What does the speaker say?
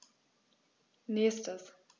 Nächstes.